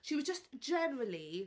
She was just generally...